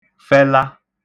fẹla